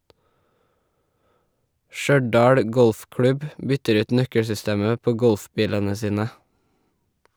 Stjørdal golfklubb bytter ut nøkkelsystemet på golfbilene sine.